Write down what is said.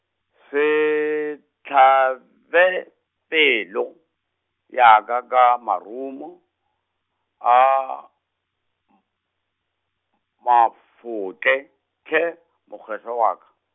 se hlab- -be pelo, ya ka ka marumo, a, m- mafotle hle, mokgethwa wa ka.